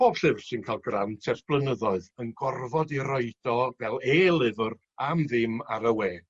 pob llyfr sy'n ca'l grant ers blynyddoedd yn gorfod 'i roid o fel e-lyfr am ddim ar y we.